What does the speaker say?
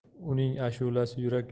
uning ashulasi yurak